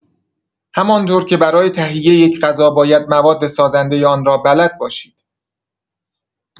همانطور که برای تهیه یک غذا باید مواد سازنده آن را بلد باشید.